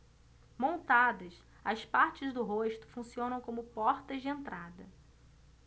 montadas as partes do rosto funcionam como portas de entrada